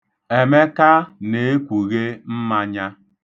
Emeka na-ekwughe mmanya.